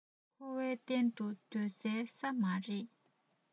འཁོར བ གཏན དུ སྡོད པའི ས མ རེད